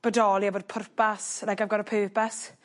bodoli a fod pwrpas like I've gor a purpose.